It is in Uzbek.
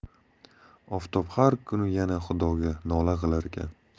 oftob har kuni yana xudoga nola qilarkan